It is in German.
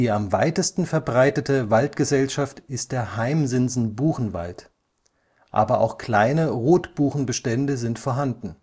am weitesten verbreitete Waldgesellschaft ist der Hainsimsen-Buchenwald, aber auch kleine Rotbuchenbestände sind vorhanden